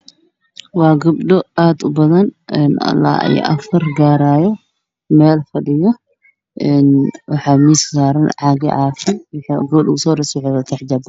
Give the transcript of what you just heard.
Meeshaan waa meel xafiis ah waxaa fadhiya nacagootaan xijaabo madow ah miis ayaa horyaalo